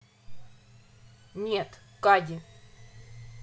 нет кади